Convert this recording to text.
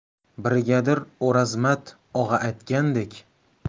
brigadir o'rozmat og'a aytgandek